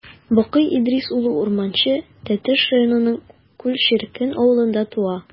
Бакый Идрис улы Урманче Тәтеш районының Күл черкен авылында туа.